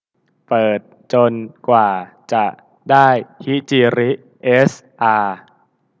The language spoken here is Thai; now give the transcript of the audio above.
เปิดจนกว่าจะได้ฮิจิริเอสอา